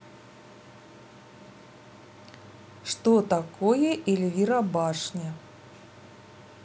что такое эльвира башня